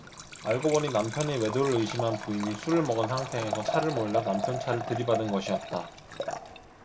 알고 보니 남편의 외도를 의심한 부인이 술을 먹은 상태에서 차를 몰다 남편 차를 들이받은 것이었다